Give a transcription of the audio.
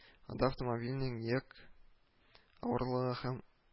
Анда автомобильнең йөк авырлыгы һәм